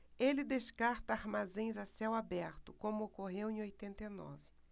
ele descarta armazéns a céu aberto como ocorreu em oitenta e nove